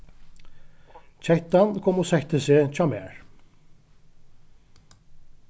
kettan kom og setti seg hjá mær